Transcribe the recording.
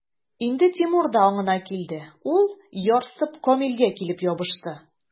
Инде Тимур да аңына килде, ул, ярсып, Камилгә килеп ябышты.